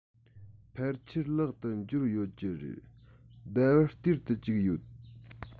ཕལ ཆེར ལག ཏུ འབྱོར ཡོད ཀྱི རེད ཟླ བར སྟེར དུ བཅུག ཡོད